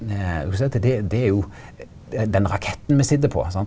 du kan seie at det det er jo den raketten me sit på sant.